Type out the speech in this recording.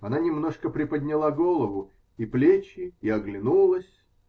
Она немножко приподняла голову и плечи и оглянулась.